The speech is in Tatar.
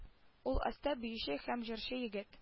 Ул оста биюче һәм җырчы егет